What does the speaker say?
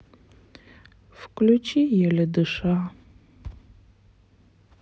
включи еле дыша